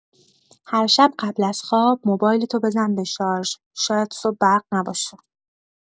هر شب قبل از خواب موبایلتو بزن شارژ، شاید صبح برق نباشه.